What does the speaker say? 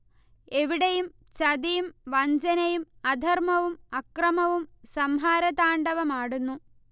എവിടെയും ചതിയും വഞ്ചനയും, അധർമ്മവും അക്രമവും സംഹാരതാണ്ഡവം ആടുന്നു